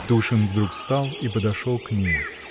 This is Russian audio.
Тушин вдруг встал и подошел к ней.